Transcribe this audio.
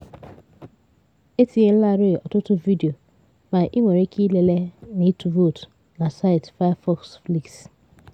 E tinyelarị ọtụtụ vidiyo, ma ị nwere ike ịlele na ịtụ vootu na saịtị Firefox Flicks.